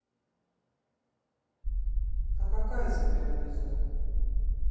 а какая земля внизу